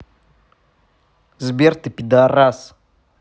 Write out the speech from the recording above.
сбер ты пидарас